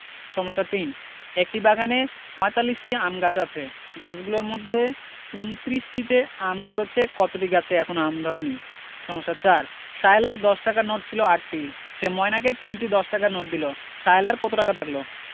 সমস্যা ৩ একটি বাগানে ৪৫টি আম গাছ আছে গাছগুলোর মধ্যে ২৯টিতে আম ধরেছে কতটি গাছে এখনও আম ধরেনি সমস্যা ৪ সায়লার দশ টাকার নোট ছিল ৮টি সে ময়নাকে ৩টি দশ টাকার নোট দিল সায়লার কত টাকা থাকল